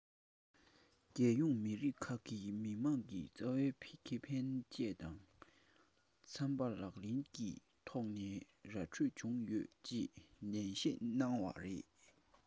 རྒྱལ ཡོངས མི རིགས ཁག གི མི དམངས ཀྱི རྩ བའི ཁེ ཕན བཅས དང འཚམས པ ལག ལེན གྱི ཐོག ནས ར འཕྲོད བྱུང ཡོད ཅེས ནན བཤད གནང བ རེད